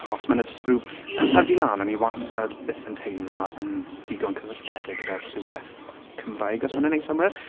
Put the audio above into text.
Achos mae yna jyst rywb-... yn tyfu lan o'n i wastad byth yn teimlo yn digon cysylltiediedig gyda rhywbeth Cymraeg, os ma hynna'n wneud synnwyr?